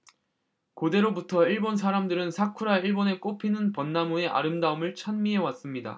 고대로부터 일본 사람들은 사쿠라 일본의 꽃피는 벚나무 의 아름다움을 찬미해 왔습니다